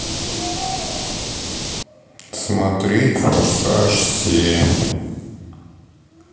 смотреть форсаж семь